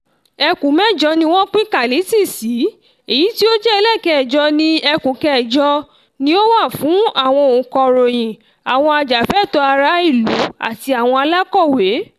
Ẹkùn mẹ́jọ ni wọ́n pín Kality sí, èyí tí ó jẹ́ ẹlẹ́ẹ̀kẹjọ ni - Ẹkùn Kẹjọ - ni ó wà fún àwọn òǹkọ̀ròyìn, àwọn ajá-fún - ẹ̀tọ́ - ara - ìlú àti àwọn alákọ̀wẹ́.